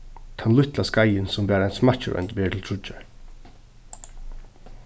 tann lítla skeiðin sum var ein smakkiroynd verður til tríggjar